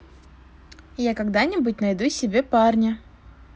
я когда нибудь найду себе парня